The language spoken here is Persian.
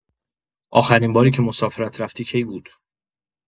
آخرین باری که مسافرت رفتی کی بود؟